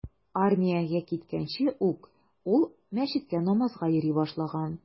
Армиягә киткәнче ук ул мәчеткә намазга йөри башлаган.